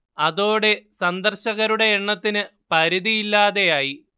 അതോടെ സന്ദർശകരുടെ എണ്ണത്തിന് പരിധിയില്ലാതെ ആയി